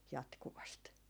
jatkuvasti